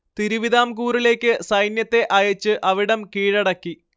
തിരുവിതാംകൂറിലേക്ക് സൈന്യത്തെ അയച്ച് അവിടം കീഴടക്കി